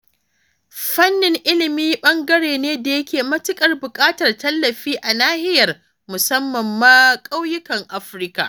Fannin ilimi ɓangare ne da yake matuƙar buƙatar tallafi a nahiyar, musamman ma ƙauyukan Afirka.